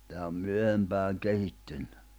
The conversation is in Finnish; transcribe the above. tämä on myöhempään kehittynyt